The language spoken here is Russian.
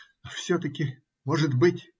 А все-таки, может быть.